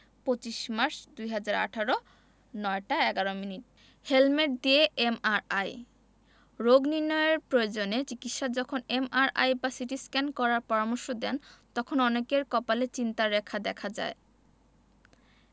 ২৫ March ২০১৮ ০৯ টা ১১ minute helmet দিয়ে MRI রোগ নির্নয়ের প্রয়োজনে চিকিত্সকরা যখন এমআরআই বা সিটিস্ক্যান করার পরামর্শ দেন তখন অনেকের কপালে চিন্তার রেখা দেখা যায়